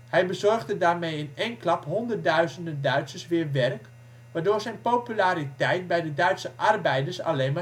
Hij bezorgde daarmee in één klap honderdduizenden Duitsers weer werk, waardoor zijn populariteit bij de Duitse arbeiders alleen